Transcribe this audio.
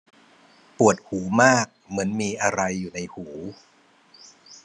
ปวดหูมากเหมือนมีอะไรอยู่ในหู